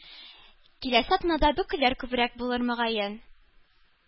Киләсе атнада бөкеләр күбрәк булыр, мөгаен.